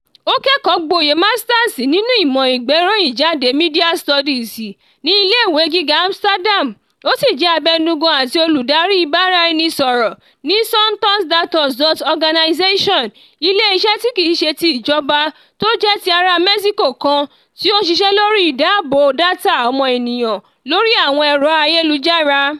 Ó kẹ́kọ̀ọ́ gboyè Masters nínú ìmọ̀ ìgbéròyìnjáde (Media Studies) ní iléèwé gíga Amsterdam ó sì jẹ́ Abẹnugan àti olùdarí ìbára-ẹni-sọ̀rọ̀ ní SonTusDatos.org, iléèṣé tí kìí ṣe ti ijọ̀ba tó jẹ́ ti aráa Mexico kan tí ó ń ṣiṣẹ́ lóri ìdáàbò data ọmọniyàn lórí àwọn ẹ̀rọ ayélujára.